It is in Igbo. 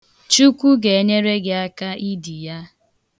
Chukwu ga-enyere gị aka idi ya.